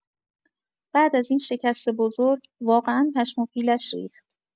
بعد از این شکست بزرگ، واقعا پشم و پیلش ریخت.